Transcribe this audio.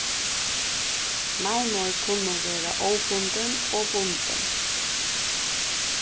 navnorð kunnu vera óbundin og bundin